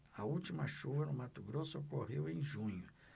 a última chuva no mato grosso ocorreu em junho